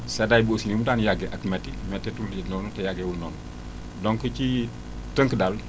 seddaay bi aussi ni mu daan yàggee ak métti métteetul léegi noonu te yàggeewul noonu donc ci ci tënk daal